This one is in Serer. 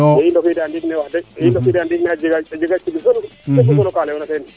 to i ndokida ndiig ne wax deg i ndokida ndiig ne a jega jega tig solu ka leyoona teen